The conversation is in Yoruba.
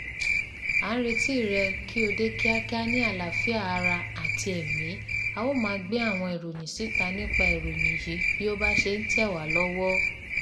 À ń retíi rẹ̀ kí ó dé kíákíá ní àlàáfíà ara àti ẹ̀mí, a ó máa gbé àwọn ìròyìn síta nípa ìròyìn yìí bí ó ba ṣe ń tẹ̀ wá lọ́wọ́.